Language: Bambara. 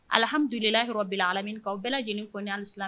Alihamidulila rabili alamina kaw bɛɛ lajɛlen fɔ silamɛ